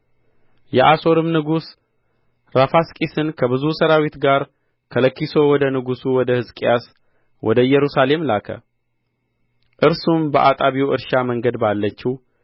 የአሦርም ንጉሥ ራፋስቂስን ከብዙ ሠራዊት ጋር ከለኪሶ ወደ ንጉሡ ወደ ሕዝቅያስ ወደ ኢየሩሳሌም ላከ እርሱም በአጣቢው እርሻ መንገድ ባለችው